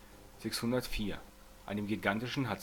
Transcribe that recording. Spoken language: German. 604, einem gigantischen H-II-Gebiet